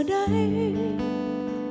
đây tình